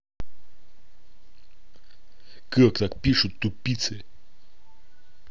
как так пишут тупица